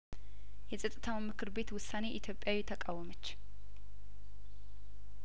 የጸጥታውን ምክር ቤት ውሳኔ ኢትዮጵያዊ ተቃወመች